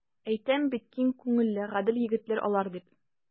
Әйтәм бит, киң күңелле, гадел егетләр алар, дип.